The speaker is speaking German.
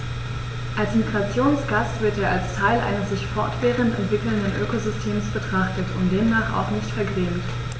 Als Migrationsgast wird er als Teil eines sich fortwährend entwickelnden Ökosystems betrachtet und demnach auch nicht vergrämt.